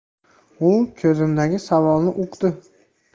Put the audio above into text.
u ko'zimdagi savolni uqdi